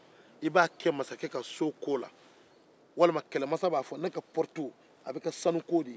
i b'a kɛ masakɛ ka kon na walima kɛlɛmasa a b'a fɔ ne ka pɔritu bɛ kɛ sanukon ye